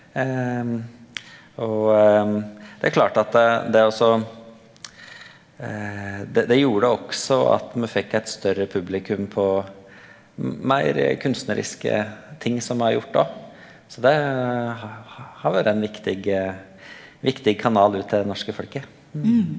og det er klart at det også det det gjorde også at me fekk eit større publikum på meir kunstneriske ting som me har gjort òg, så det har vore ein viktig viktig kanal ut til det norske folket .